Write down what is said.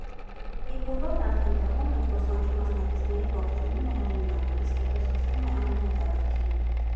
Երբ բոլորն արդեն տեղում են, զբոսանքի մասնակիցներին ողջունում է հեղինակը, իսկ հետո սկսվում է ամենահետաքրքիրը։